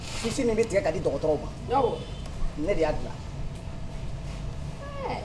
Kisisi nin bɛ tigɛ ka di dɔgɔ dɔgɔtɔrɔw kan ne de y'a dila